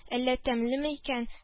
Әллә тәмлеме икән